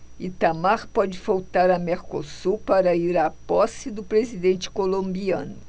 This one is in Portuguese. itamar pode faltar a mercosul para ir à posse do presidente colombiano